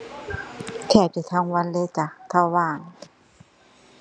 แทบจะทั้งวันเลยจ้ะ ถ้าว่าง